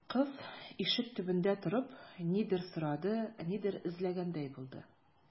Кыз, ишек төбендә торып, нидер сорады, нидер эзләгәндәй булды.